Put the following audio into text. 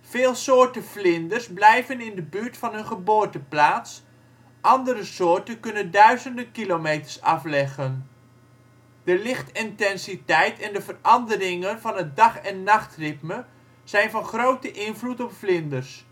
Veel soorten vlinders blijven in de buurt van hun geboorteplaats, andere soorten kunnen duizenden kilometers afleggen. De lichtintensiteit en de veranderingen van het dag - en nachtritme zijn van grote invloed op vlinders